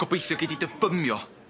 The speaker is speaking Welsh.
Gobeithio gei di dy bymio.